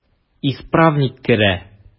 Исправник керә.